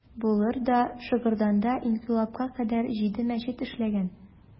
Булыр да, Шыгырданда инкыйлабка кадәр җиде мәчет эшләгән.